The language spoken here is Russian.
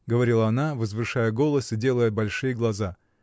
— говорила она, возвышая голос и делая большие глаза.